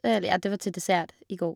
Eller, ja, det var til dessert i går.